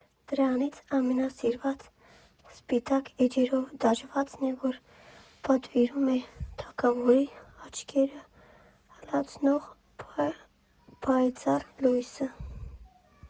Դրանցից ամենասիրվածը սպիտակ էջերով բացվածքն է, որ «պատկերում» է թագավորի աչքերը շլացնող պայծառ լույսը։